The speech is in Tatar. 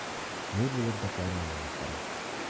Ни булып бетәр моның ахыры?